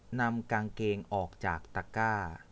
นำกางเกงออกจากตะกร้า